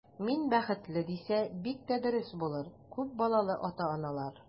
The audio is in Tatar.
Мин бәхетле, дисә, бик тә дөрес булыр, күп балалы ата-аналар.